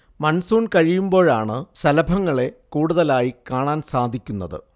monsoon കഴിയുമ്പോഴാണ് ശലഭങ്ങളെ കൂടുതലായി കാണാൻ സാധിക്കുന്നത്